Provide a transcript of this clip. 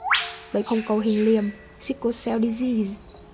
bệnh hồng cầu hình liềm